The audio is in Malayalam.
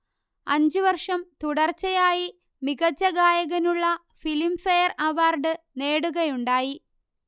അഞ്ചുവർഷം തുടർച്ചയായി മികച്ചഗായകനുള്ള ഫിലിംഫെയർ അവാർഡ് നേടുകയുണ്ടായി